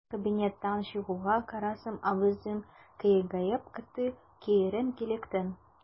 Ә кабинеттан чыгуга, карасам - авызым кыегаеп катты, киеренкелектән.